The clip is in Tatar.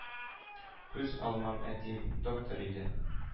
— күз алмам — әтием — доктор иде,